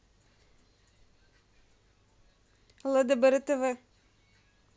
лдбр тв